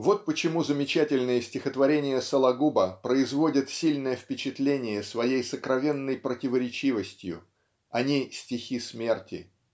Вот почему замечательные стихотворения Сологуба производят сильное впечатление своей сокровенной противоречивостью они -- стихи смерти.